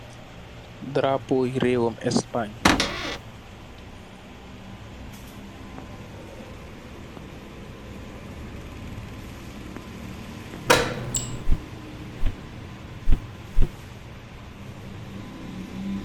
Darapóó yi rew'wam Españ.